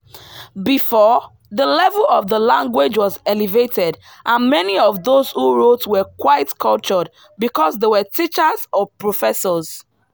Before, the level of the language was elevated and many of those who wrote were quite cultured because they were teachers or professors.